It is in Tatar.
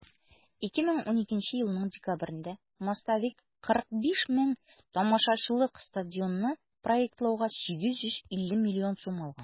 2012 елның декабрендә "мостовик" 45 мең тамашачылык стадионны проектлауга 850 миллион сум алган.